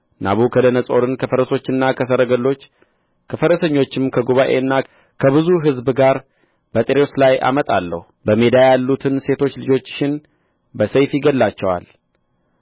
ናቡከደነፆርን ከፈረሶችና ከሰረገሎች ከፈረሰኞችም ከጉባኤና ከብዙ ሕዝብ ጋር በጢሮስ ላይ አመጣለሁ በሜዳ ያሉትን ሴቶች ልጆችሽን በሰይፍ ይገድላቸዋል